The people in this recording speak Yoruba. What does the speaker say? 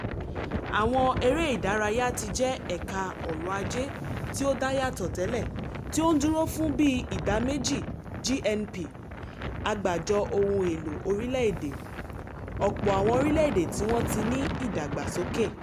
Àwọn eré ìdárayá ti jẹ́ ẹ̀ka ọrọ̀-ajé tí ó dá yàtọ̀ tẹ́lẹ̀, tí ó ń dúró fún bíi ìdá 2% GNP(Àgbájọ Ohun-èlò Orílẹ̀-èdè) ọ̀pọ̀ àwọn orílẹ̀-èdè tí wọ́n ti ní ìdàgbàsókè.